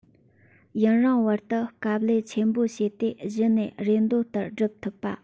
ཡུན རིང བར དུ དཀའ ལས ཆེན པོ བྱས ཏེ གཞི ནས རེ འདོད ལྟར འགྲུབ ཐུབ པ